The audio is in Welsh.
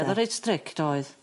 o'dd o reit 'strict' oedd.